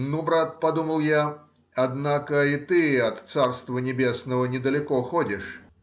Ну, брат,— подумал я,— однако и ты от царства небесного недалеко ходишь